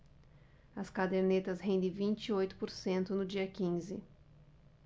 as cadernetas rendem vinte e oito por cento no dia quinze